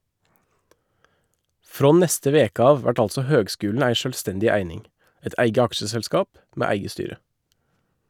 Frå neste veke av vert altså høgskulen ei sjølvstendig eining, eit eige aksjeselskap med eige styre.